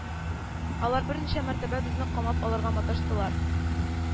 Алар берничә мәртәбә безне камап алырга маташтылар